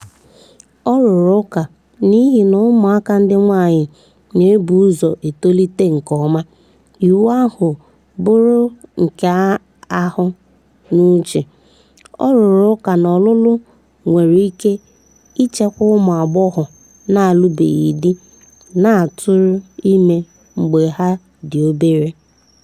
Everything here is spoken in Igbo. Ọ rụrụ ụka na n'ihi na ụmụaka ndị nwaanyị na-ebu ụzọ etolite nke ọma, iwu ahụ buuru nke ahụ n'uche. Ọ rụrụ ụka na ọlụlụ nwere ike ichekwa ụmụ agbọghọ na-alụbeghị di na-atụrụ ime mgbe ha ka dị obere.